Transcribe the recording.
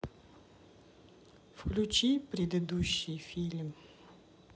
включи предыдущий фильм